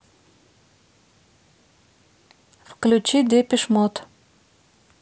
включи депиш мод